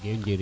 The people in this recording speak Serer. jege njiriñ